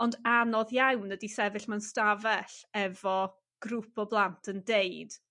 Ond anodd iawn ydy sefyll mewn stafell efo grŵp o blant yn deud